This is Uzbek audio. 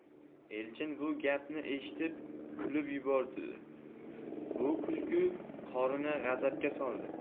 elchin bu gapni eshitib kulib yubordi bu kulgi qorini g'azabga soldi